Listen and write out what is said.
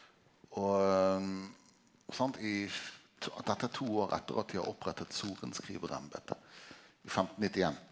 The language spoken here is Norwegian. og sant i dette er to år etter at dei har oppretta sorenskrivarembetet i femtennittiein.